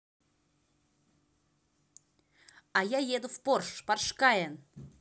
а я еду в порш поршкаен